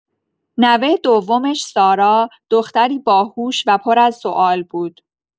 نوۀ دومش سارا، دختری باهوش و پر از سوال بود.